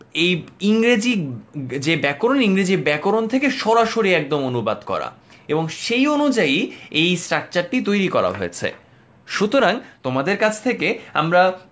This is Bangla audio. এই ইংরেজি যে ব্যাকরণ ইংরেজি ব্যাকরণ থেকে সরাসরি একদম অনুবাদ করা এবং সেই অনুযায়ী এই স্ট্রাকচার টি তৈরি করা হয়েছে সুতরাং তোমাদের কাছ থেকে আমরা